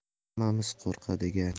hammamiz qo'rqadigan